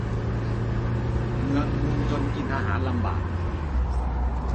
เหงือกบวมจนกินอาหารลำบาก